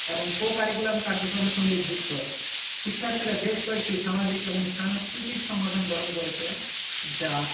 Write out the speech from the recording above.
এবং co curriculum কার্যক্রমরে সঙ্গে যুক্ত শিক্ষার্থীরা বেশ কয়েকটি সামাজিক এবং সাংস্কৃতিক সংগঠন গঠন করেছে যা